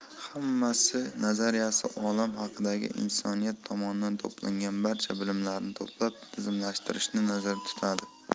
hammasi nazariyasi olam haqidagi insoniyat tomonidan to'plangan barcha bilimlarni to'plab tizimlashtirishni nazarda tutadi